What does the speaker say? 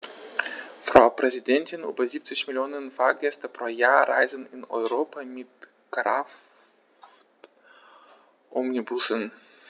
Frau Präsidentin, über 70 Millionen Fahrgäste pro Jahr reisen in Europa mit Kraftomnibussen.